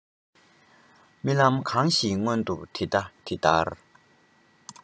རྨི ལམ གང ཞིག མངོན དུ དེ ལྟ དེ ལྟར